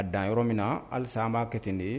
A dan yɔrɔ min na hali sisan an b'a kɛ ten de